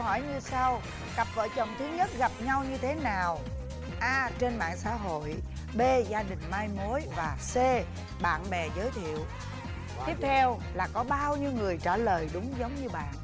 hỏi như sau cặp vợ chồng thứ nhất gặp nhau như thế nào a trên mạng xã hội bê gia đình mai mối và xê bạn bè giới thiệu tiếp theo là có bao nhiêu người trả lời đúng giống như bạn